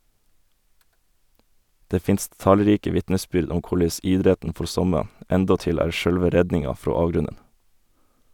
Det finst talrike vitnesbyrd om korleis idretten for somme endåtil er sjølve redninga frå avgrunnen.